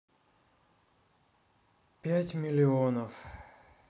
пять миллионов